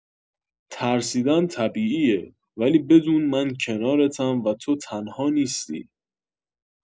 ترسیدن طبیعیه، ولی بدون من کنارتم و تو تنها نیستی.